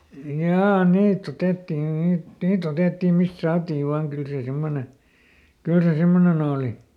jaa niitä otettiin niitä niitä otettiin mistä saatiin vain kyllä se semmoinen kyllä se semmoinen oli